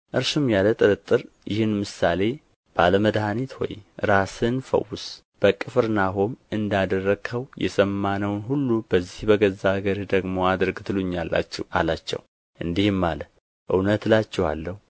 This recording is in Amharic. እርሱም ያለ ጥርጥር ይህን ምሳሌ ባለ መድኃኒት ሆይ ራስህን ፈውስ በቅፍርናሆም እንዳደረግኸው የሰማነውን ሁሉ በዚህ በገዛ አገርህ ደግሞ አድርግ ትሉኛላችሁ አላቸው እንዲህም አለ እውነት እላችኋለሁ